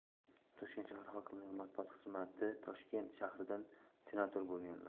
toshkent shahar hokimligi matbuot xizmatitoshkent shahridan senator bo'lganlar